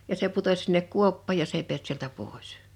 ja se putosi sinne kuoppaan ja se ei päässyt sieltä pois